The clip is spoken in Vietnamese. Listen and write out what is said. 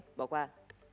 bỏ qua